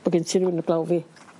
bo' gin ti rwun 'eb law fi.